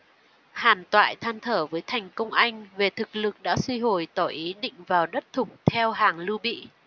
hàn toại than thở với thành công anh về thực lực đã suy rồi tỏ ý định vào đất thục theo hàng lưu bị